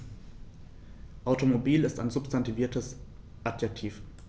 Automobil ist ein substantiviertes Adjektiv.